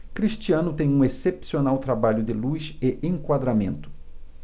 cristiano tem um excepcional trabalho de luz e enquadramento